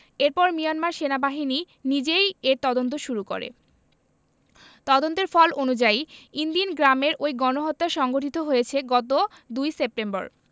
এরপর মিয়ানমার সেনাবাহিনী নিজেই এর তদন্ত শুরু করে তদন্তের ফল অনুযায়ী ইনদিন গ্রামের ওই গণহত্যা সংঘটিত হয়েছে গত ২ সেপ্টেম্বর